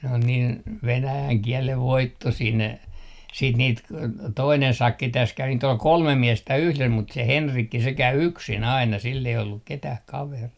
ne on niin venäjän kielen voittoisia ne sitten niitä - toinen sakki tässä kävi niitä oli kolme miestä yhdessä mutta se Henrikki se kävi yksin aina sillä ei ollut ketään kaveria